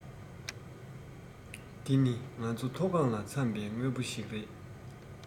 འདི ནི ང ཚོ མཐོ སྒང ལ འཚམས པའི དངོས པོ ཞིག རེད